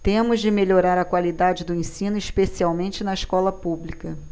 temos de melhorar a qualidade do ensino especialmente na escola pública